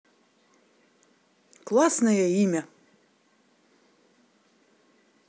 классное имя